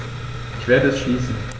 Ich werde es schließen.